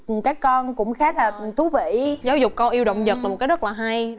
các con cũng khá là thú vị giáo dục con yêu động vật có rất là hay